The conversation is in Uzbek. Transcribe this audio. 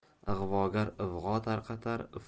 ig'vogar ig'vo tarqatar